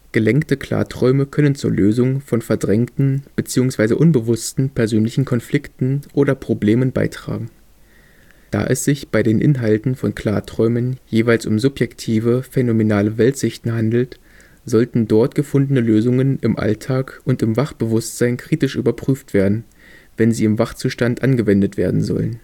Gelenkte Klarträume können zur Lösung von „ verdrängten “bzw. „ unbewussten “persönlichen Konflikten oder Problemen beitragen. Da es sich bei den Inhalten von Klarträumen jeweils um subjektive phänomenale Weltsichten handelt, sollten dort gefundene Lösungen im Alltag und im Wachbewusstsein kritisch überprüft werden, wenn sie im Wachzustand angewendet werden sollen